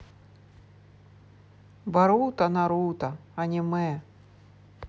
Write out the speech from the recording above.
боруто наруто аниме